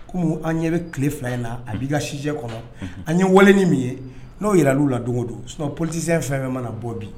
Komi an ɲɛ bɛ tile fila in na a b'i ka sijɛ kɔnɔ an ye walei min ye n'o yɛrɛ'u la dogo donɔ polisi fɛn fɛn mana bɔ bin